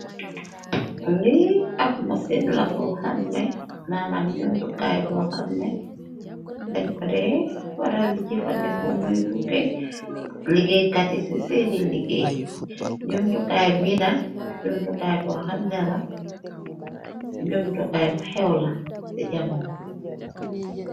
Li abma seen labo xamne nanam jumtukaay bu xamne dañ ko ree waral di jifande ko muy gukke liggéeykat yi ci seedil liggéey jumtukaay biina jumtukaay bu xamne la jumtukaay bu xew la ci jamono.